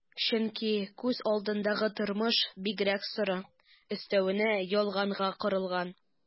Чөнки күз алдындагы тормыш бигрәк соры, өстәвенә ялганга корылган...